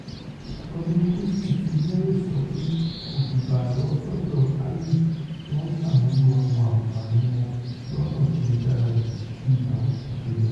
Robyn Christie ti Melrose sọ pé: ''Òṣùba lọ sọ́dọ̀ Ayr, wọ́n ṣàmúlò àwọn àǹfààní wọn lọ́nà tó dára ju bí àwa tiṣe lọ.''